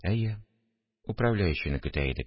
– әйе, управляющийны көтә идек